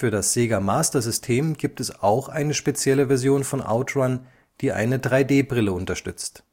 das Sega Master System gibt es auch eine spezielle Version von Out Run, die eine 3D-Brille unterstützt